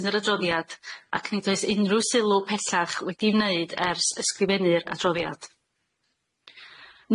yn yr adroddiad ac nid oes unrhyw sylw pellach wedi'i wneud ers ysgrifennu'r adroddiad.